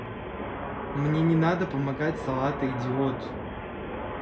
мне не надо помогать салата идиот